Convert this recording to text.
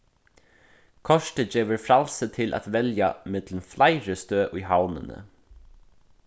kortið gevur frælsi til at velja millum fleiri støð í havnini